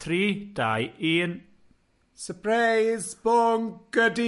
Tri, dau, un…Suprise bwnc ydi…